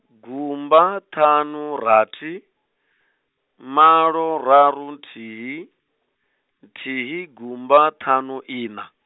gumba ṱhanu rathi, malo raru nthihi, nthihi gumba ṱhanu ina.